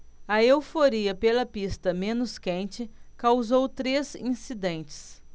a euforia pela pista menos quente causou três incidentes